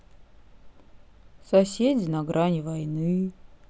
соседи на грани войны